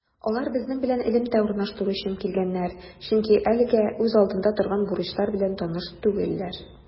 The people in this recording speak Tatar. Алар безнең белән элемтә урнаштыру өчен килгәннәр, чөнки әлегә үз алдында торган бурычлар белән таныш түгелләр.